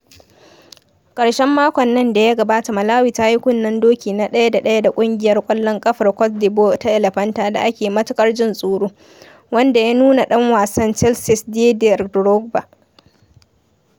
Ƙarshen makon nan da ya gabata, Malawi ta yi kunnen doki na 1-1 da Ƙungiyar Ƙwallon Ƙafar Cote d'Ivoire ta Elephanta da ake matuƙar jin tsoro, wanda ya nuna ɗan wasan Chelses Didier Drogba.